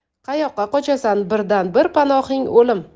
qayoqqa qochasan birdan bir panohing o'lim